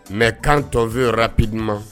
Mɛ kan tɔn vrapdi ma